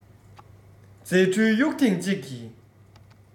རྫས འཕྲུལ གཡུགས ཐེངས གཅིག གིས